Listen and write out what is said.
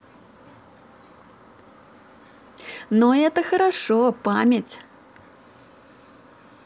ну это хорошо память